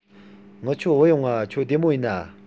ངུ ཆོ བུད ཡོང ང ཁྱོད བདེ མོ ཡིན ན